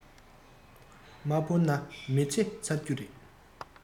མ འཕུར ན མི ཚེ ཚར རྒྱུ རེད